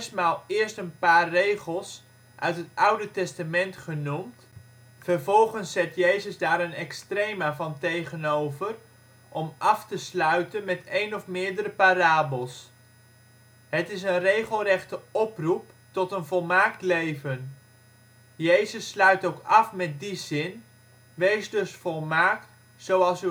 maal eerst een (paar) regel (s) uit het oude testament genoemd, vervolgens zet Jezus daar een extrema van tegenover om af te sluiten met een of meerdere parabels. Het is een regelrechte oproep tot een volmaakt leven. Jezus sluit ook af met die zin: " Wees dus volmaakt zoals